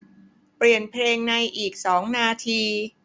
เปลี่ยนเพลงในอีกสองนาที